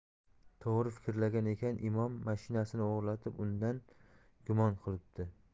to'g'ri fikrlagan ekan imom mashinasini o'g'irlatib undan gumon qilibdi